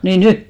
niin nyt